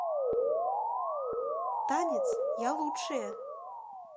танец я лучшее